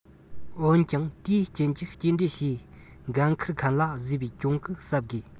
འོན ཀྱང དེའི རྐྱེན གྱིས སྐྱེལ འདྲེན བྱེད འགན འཁུར མཁན ལ བཟོས པའི གྱོང གུན གསབ དགོས